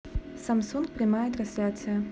самсунг прямая трансляция